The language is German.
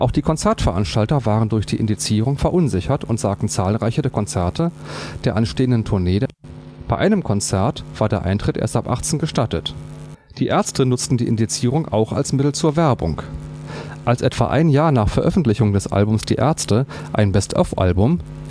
die Konzertveranstalter waren durch die Indizierung verunsichert und sagten zahlreiche Konzerte einer anstehenden Tournee der Band ab. Bei einem Konzert war der Eintritt erst ab 18 Jahren gestattet. Die Ärzte nutzen jedoch die Indizierung auch als Mittel zur Werbung. Als etwa ein Jahr nach Veröffentlichung des Albums „ Die Ärzte “ein Best-Of-Album